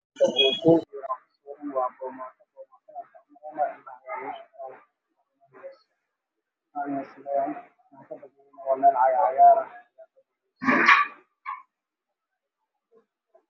Meeshaan waxaa yaalo buumaatada indhaha waxayna ku jirtaa qof cagaara ah